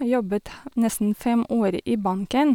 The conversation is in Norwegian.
Jobbet nesten fem år i banken.